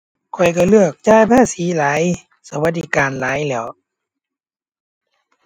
ข้อยก็เลือกจ่ายภาษีหลาย สวัสดิการหลายแหล้ว